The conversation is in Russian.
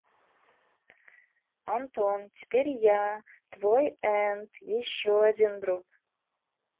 антон теперь я твой and еще один друг